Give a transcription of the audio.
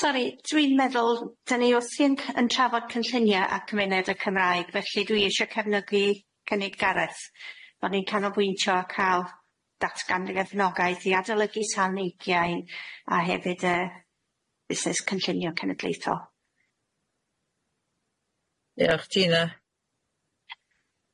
Sori dwi'n meddwl da ni wrthi'n cy- yn trafod cynllunie a cymuned y Cymraeg felly dwi isie cefnogi cynnig Gareth bo' ni'n canolbwyntio a ca'l datgan i adnogaeth i adolygu tan ugian a hefyd yy busnes cynllunio cenedlaethol. Diolch Gina.